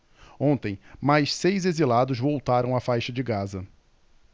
ontem mais seis exilados voltaram à faixa de gaza